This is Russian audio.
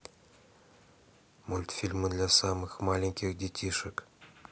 мультфильмы для самых маленьких детишек